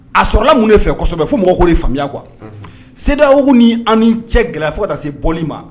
A sɔrɔlala mun fɛ kosɛbɛ fo mɔgɔ ko de ye faamuyaya kuwa sedi wu ni an ni cɛ gɛlɛya fo se bɔli ma